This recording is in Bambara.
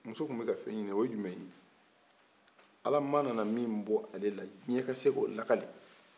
muso kun be ka fɛn ɲini o ye jumɛn ye ala mana na min bɔ alela diɲɛ kase ka o lakali